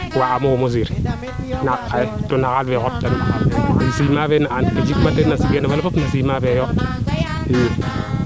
wa aamo xumo siir naaq xaye to to no xaal fe xota num ciment fee ne aan o jik keen fop no ciment feeyo i